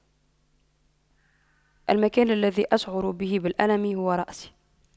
المكان الذي أشعر به بالألم هو رأسي